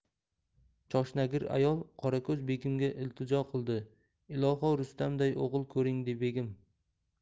choshnagir ayol qorako'z begimga iltijo qildi iloho rustamday o'g'il ko'ring begim